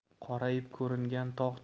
qorayib ko'ringan tog'